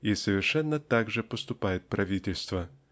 и совершенно так же поступает правительство".